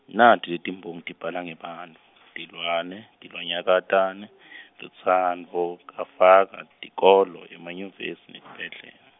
nato letimbongi tibhala ngebantfu , tilwane, tilwanyakatane , lutsandvo, kafaka, tikolo, emanyuvesi netibhedlela.